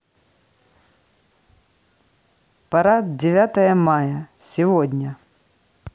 парад девятое мая сегодня